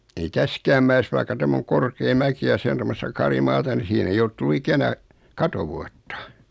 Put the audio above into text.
ei tässäkään mäessä vaikka tämä on korkea mäki ja se on tuommoista karimaata niin siihen ei ole tullut ikänä katovuotta